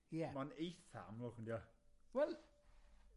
Ie. Ma'n eitha amlwg on'd yw e? Wel...